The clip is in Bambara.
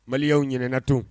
Maliya ɲana tun